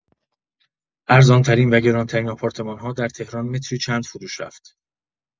ارزان‌ترین و گران‌ترین آپارتمان‌ها در تهران متری چند فروش رفت؟